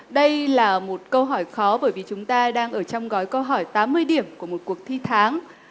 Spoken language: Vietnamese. đây là một câu hỏi khó bởi vì chúng ta đang ở trong gói câu hỏi tám mươi điểm của một cuộc thi tháng